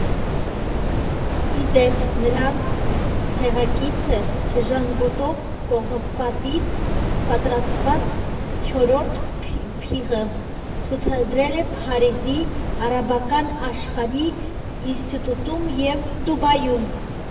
Ի դեպ, նրանց ցեղակիցը՝ չժանգոտող պողպատից պատրաստված չորրորդ փիղը, ցուցադրվել է Փարիզի Արաբական աշխարհի ինստիտուտում և Դուբայում։